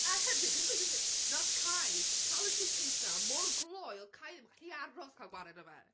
A hefyd, galla i jyst weud. Wnaeth Kai cael y suitcase 'na mor glou, oedd Kai ddim yn gallu aros cael gwared o fe.